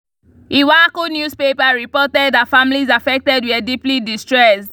Iwacu newspaper reported that families affected were deeply distressed.